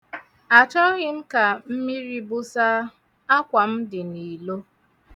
Achọghị ka mmiri bụsaa, akwa m dị n'ilo.